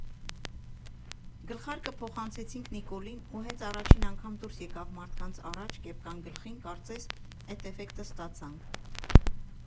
Գլխարկը փոխանցեցինք Նիկոլին ու հենց առաջին անգամ դուրս եկավ մարդկանց առաջ՝ կեպկան գլխին, կարծես՝ էդ էֆեկտը ստացանք։